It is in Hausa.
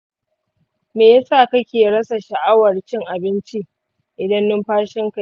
me yasa kake rasa sha'awar cin abinci idan numfashinka ya sarƙe?